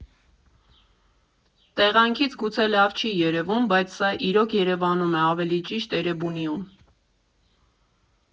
Տեղանքից գուցե լավ չի երևում, բայց սա իրոք Երևանում է, ավելի ճիշտ՝ Էրեբունիում։